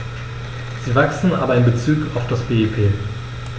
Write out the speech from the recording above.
Sie wachsen, aber in bezug auf das BIP.